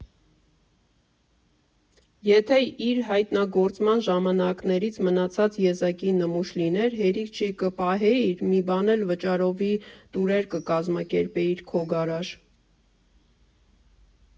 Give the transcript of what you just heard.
֊ Եթե իր հայտնագործման ժամանակներից մնացած եզակի նմուշ լիներ, հերիք չի կպահեիր, մի բան էլ վճարովի տուրեր կկազմակերպեիր քո գարաժ։